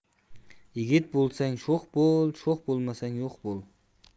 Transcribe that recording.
yigit bo'lsang sho'x bo'l sho'x bo'lmasang yo'q bo'l